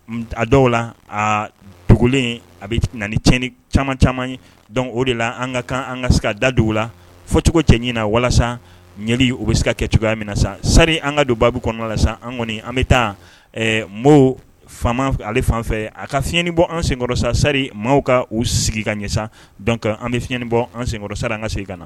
A dɔw la a dogolen a bɛ na caman caman ye o de la an ka kan an ka se ka da dugu la fɔcogo cɛ ɲinin na walasa ɲali o bɛ se ka kɛ cogoyaya minɛ na sa sari an ka don baabu kɔnɔna la sisan an kɔni an bɛ taa mɔgɔw fa ale fan fɛ a ka fiɲɛɲɛni bɔ an senkɔrɔ sa sari maaw ka uu sigi ka ɲɛ an bɛ fi fiɲɛɲɛnani bɔ an senkɔrɔ sa an ka se ka na